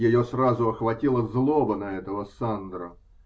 Ее сразу охватила злоба на этого Сандро.